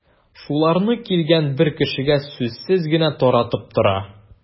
Шуларны килгән бер кешегә сүзсез генә таратып тора.